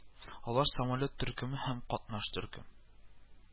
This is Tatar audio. Алар Самолет төркеме һәм Катнаш төркем